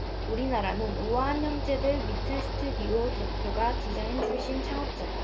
우리나라는 우아한형제들 위트 스튜디오 대표가 디자인 출신 창업자다